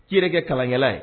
K'i yɛrɛ kɛ kalankɛla ye.